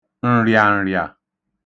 ǹrịàǹrịà